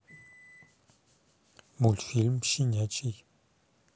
мультфильм щенячий